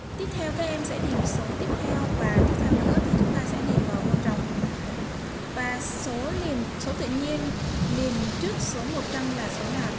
tiếp theo các em sẽ điền số tiếp theo và thích theo nữa thì chúng ta sẽ điền vào ô trống số liền số tự nhiên liền trước số là số nào